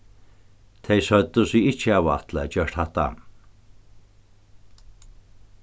tey søgdu seg ikki hava ætlað at gjørt hatta